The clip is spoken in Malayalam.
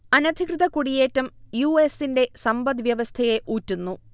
അനധികൃത കുടിയേറ്റം യു. എസിന്റെ സമ്പദ് വ്യവസ്ഥയെ ഊറ്റുന്നു